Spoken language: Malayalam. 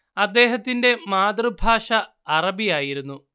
അദ്ദേഹത്തിന്റെ മാതൃഭാഷ അറബിയായിരുന്നു